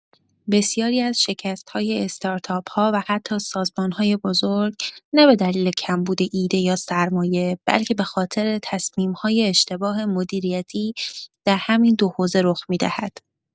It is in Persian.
بسیاری از شکست‌های استارتاپ‌ها و حتی سازمان‌های بزرگ، نه به دلیل کمبود ایده یا سرمایه، بلکه به‌خاطر تصمیم‌های اشتباه مدیریتی در همین دو حوزه رخ می‌دهد.